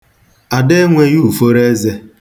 Ada enweghị uforo eze.